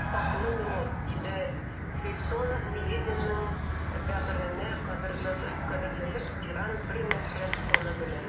Сез хаклы, милорд, - диде Фельтон милединың бәгыренә кадалырлык тирән бер нәфрәт тоны белән.